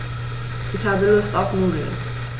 Ich habe Lust auf Nudeln.